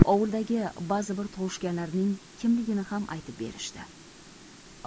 ovuldagi ba'zi bir tug'ishganlarining kimligini ham aytib berishdi